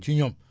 ci ñoom